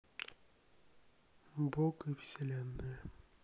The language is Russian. бог и вселенная